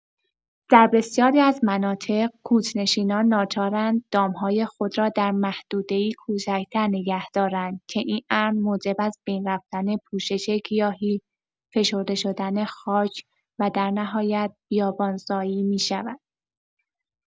در بسیاری از مناطق، کوچ‌نشینان ناچارند دام‌های خود را در محدوده‌ای کوچک‌تر نگه دارند که این امر موجب از بین رفتن پوشش گیاهی، فشرده شدن خاک و در نهایت بیابان‌زایی می‌شود.